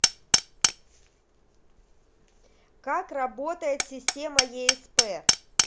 как работает система есп